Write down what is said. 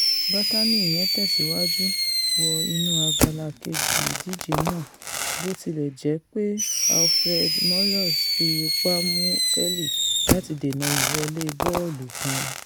Bátàni yẹn tẹ̀sìwájú wọ inú abala keji ìdíje náà bó tilẹ̀ jẹ́ pé Alfred Morelos fi ipa mú Kelly láti dènà ìwọlé bọ́ọ̀lù kan.